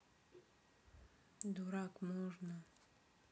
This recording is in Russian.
дурак можно